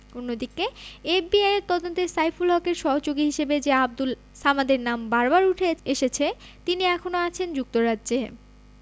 অন্যদিকে এফবিআইয়ের তদন্তে সাইফুল হকের সহযোগী হিসেবে যে আবদুল সামাদের নাম বারবার উঠে এসেছে তিনি এখনো আছেন যুক্তরাজ্যে